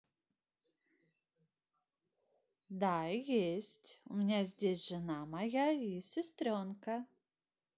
да есть у меня здесь жена моя и сестренка